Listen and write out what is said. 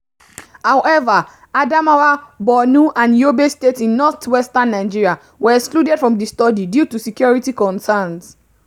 However, Adamawa, Borno, and Yobe states in northwestern Nigeria were excluded from the study due to security concerns.